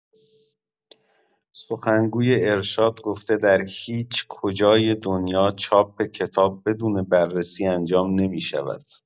سخنگوی ارشاد گفته در هیچ‌کجای دنیا چاپ کتاب بدون بررسی انجام نمی‌شود!